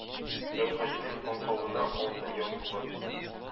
Әүхәдинең аңкавына алтын язулы